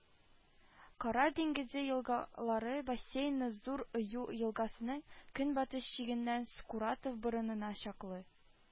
Кара диңгезе елгалары бассейны Зур Ою елгасының көнбатыш чигеннән Скуратов борынына чаклы